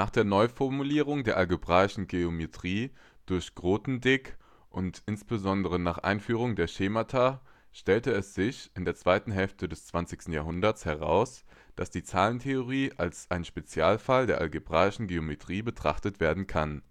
der Neuformulierung der algebraischen Geometrie durch Grothendieck und insbesondere nach Einführung der Schemata stellte es sich (in der zweiten Hälfte des zwanzigsten Jahrhunderts) heraus, dass die Zahlentheorie als ein Spezialfall der algebraischen Geometrie betrachtet werden kann